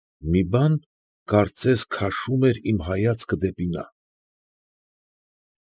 Մի բան, կարծես, քաշում էր իմ հայացքը դեպի նա։